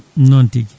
noon tigui